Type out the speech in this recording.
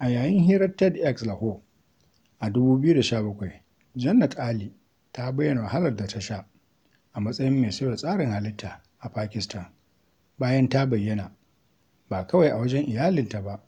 A yayin hirar TEDxLahore a 2017, Jannat Ali ta bayyana wahalar da ta sha a matsayin mai sauya tsarin halitta a Pakistan bayan ta bayyana, ba kawai a wajen iyalinta ba,